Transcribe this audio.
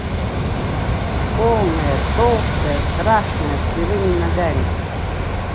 полная толстая страшная с кривыми ногами